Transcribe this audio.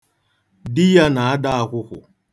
Di ya na-ada akwụkwụ.